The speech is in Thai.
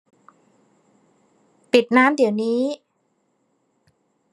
ปิดน้ำเดี๋ยวนี้